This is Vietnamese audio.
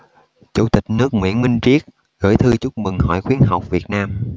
chủ tịch nước nguyễn minh triết gửi thư chúc mừng hội khuyến học việt nam